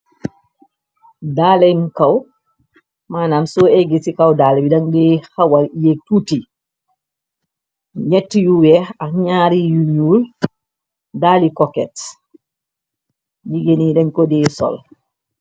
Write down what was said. daaleñ kaw manam soo egge ci kaw daal bi danday xawa yéeg tuuti ñyetti yu weex ak ñyaari yu ñyuul daali koket yi jigéeni dañ ko deey sol.